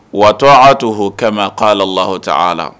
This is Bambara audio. Watɔ' to hkɛ ko ala la lahhaɔnta ala la